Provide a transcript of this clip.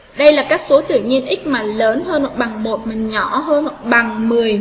đây là các số tự nhiên x lớn hơn hoặc bằng một mình nhỏ hơn bằng